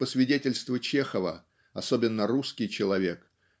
по свидетельству Чехова, особенно русский человек